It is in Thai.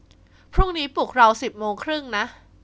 พรุ่งนี้ปลุกเราสิบโมงครึ่งนะ